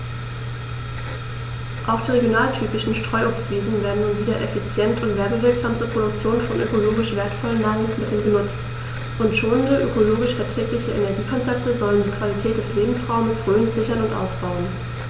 Auch die regionaltypischen Streuobstwiesen werden nun wieder effizient und werbewirksam zur Produktion von ökologisch wertvollen Nahrungsmitteln genutzt, und schonende, ökologisch verträgliche Energiekonzepte sollen die Qualität des Lebensraumes Rhön sichern und ausbauen.